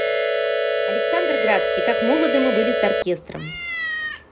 александр градский как молоды мы были с оркестром